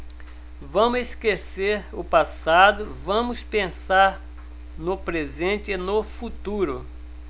vamos esquecer o passado vamos pensar no presente e no futuro